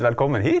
velkommen hit.